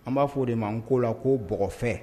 An b'a fɔ o de ma n ko la ko bɔgɔfɛ